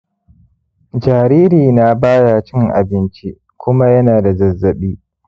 jaririna baya cin abinci kuma yana da zazzabi